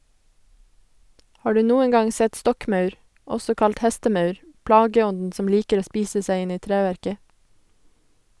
Har du noen gang sett stokkmaur, også kalt hestemaur, plageånden som liker å spise seg inn i treverket?